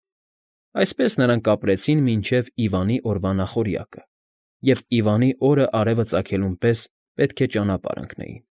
Այսպես նրանք ապրեցին մինչև Իվանի օրվա նախօրյակը և Իվանի օրը արևը ծագելուն պես պետք է ճանապարհ ընկնեին։